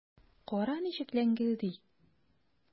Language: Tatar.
Кара, ничек ләңгелди!